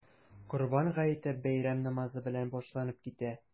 Корбан гаете бәйрәм намазы белән башланып китә.